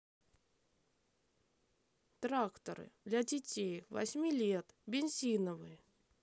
тракторы для детей восьми лет бензиновые